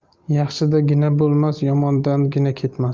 yaxshida gina bo'lmas yomondan gina ketmas